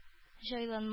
Җайланма